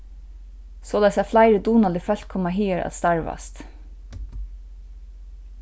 soleiðis at fleiri dugnalig fólk koma higar at starvast